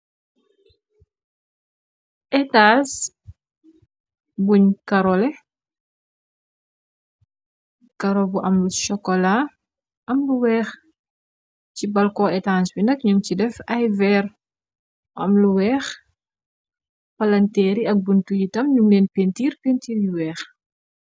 etals buñ karole karo bu amlu chokola am lu weex ci balkoo etang bi nak ñuom ci def ay veer am lu weex palanteeri ak buntu yitam ñum leen pentiir pentiir yu weex